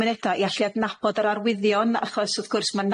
cymuneda i allu adnabod yr arwyddion achos wrth gwrs ma'